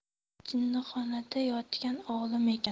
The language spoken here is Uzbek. jinnixonada yotgan olim ekan